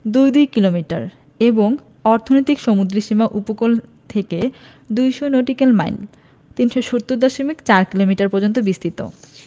দুই দুই কিলোমিটার এবং অর্থনৈতিক সমুদ্রসীমা উপকূল থেকে ২০০ নটিক্যাল মাইল ৩৭০ দশমিক ৪ কিলোমিটার পর্যন্ত বিস্তৃত